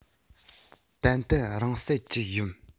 ཏན ཏན རང བསད ཀྱི ཡིན